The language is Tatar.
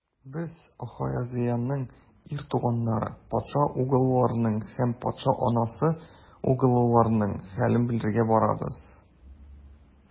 Без - Ахазеянең ир туганнары, патша угылларының һәм патша анасы угылларының хәлен белешергә барабыз.